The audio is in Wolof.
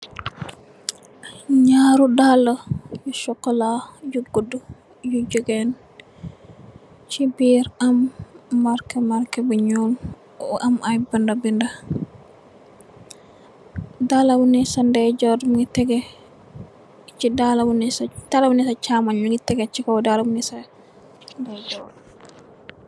Ñaari dalla sokola yu guddu yu jigeen ci biir am marké marké yu ñuul bu am ay bindé bindé, dalla Wu neh ci caaymoy mugii tegeh ci kaw dalla wu nekkè ndayjoor.